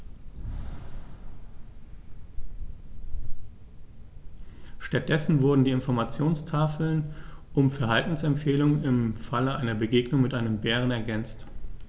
Stattdessen wurden die Informationstafeln um Verhaltensempfehlungen im Falle einer Begegnung mit dem Bären ergänzt.